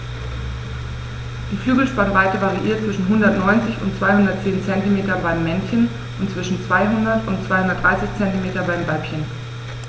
Die Flügelspannweite variiert zwischen 190 und 210 cm beim Männchen und zwischen 200 und 230 cm beim Weibchen.